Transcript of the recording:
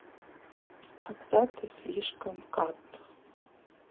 когда ты слишком cut